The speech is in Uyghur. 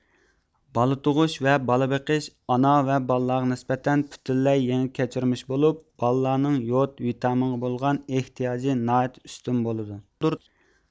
بالا تۇغۇش ۋە بالا بېقىش ئانا ۋە بالىلارغا نىسبەتەن پۈتۈنلەي يېڭى كەچۈرمىش بولۇپ بالىلارنىڭ يود ۋىتامىنغا بولغان ئېھتىياجى ناھايىتى ئۈستۈن بولىدۇ